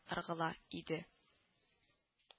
Ыргыла иде